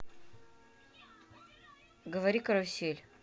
говори карусель